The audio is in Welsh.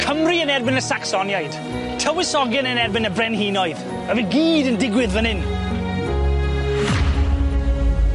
Cymru yn erbyn y Saxoniaid, Tywysogion yn erbyn y Brenhinoedd, a fe gyd yn digwydd fyn 'yn.